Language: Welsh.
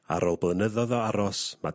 Ar ôl blynyddoedd o aros ma'...